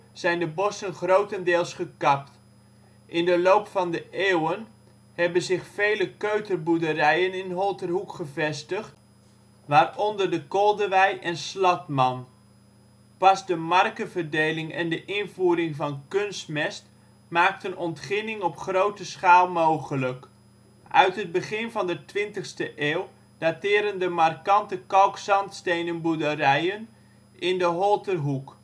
zijn de bossen grotendeels gekapt. In de loop van de eeuwen hebben zich vele keuterboerderijen in Holterhoek gevestigd, waaronder de Koldewey (Menkhorst) en Slatman. Pas de markeverdeling en de invoering van kunstmest maakten ontginning op grote schaal mogelijk. Uit het begin van de twintigste eeuw dateren de markante kalkzandstenen boerderijen in de Holterhoek